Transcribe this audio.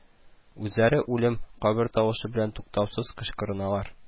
Үзләре үлем, кабер тавышы белән туктаусыз кычкырыналар: